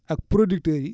ak producteur yi